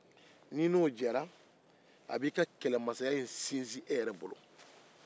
n'i n'o jɛra a b'i ka kɛlɛmasaya sinsin e yɛrɛ bolo